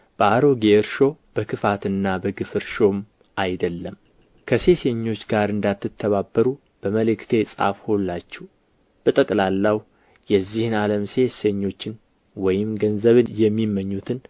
በአሮጌ እርሾ በክፋትና በግፍ እርሾም አይደለም ከሴሰኞች ጋር እንዳትተባበሩ በመልእክቴ ጻፍሁላችሁ በጠቅላላው የዚህን ዓለም ሴሰኞችን ወይም ገንዘብን የሚመኙትን